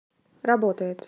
работает